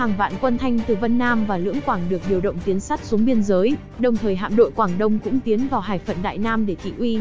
hàng vạn quân thanh từ vân nam và lưỡng quảng được điều động tiến sát xuống biên giới đồng thời hạm đội quảng đông cũng tiến vào hải phận đại nam để thị uy